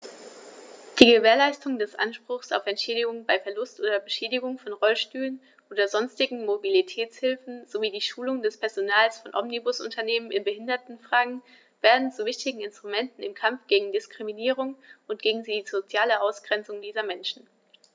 Die Gewährleistung des Anspruchs auf Entschädigung bei Verlust oder Beschädigung von Rollstühlen oder sonstigen Mobilitätshilfen sowie die Schulung des Personals von Omnibusunternehmen in Behindertenfragen werden zu wichtigen Instrumenten im Kampf gegen Diskriminierung und gegen die soziale Ausgrenzung dieser Menschen.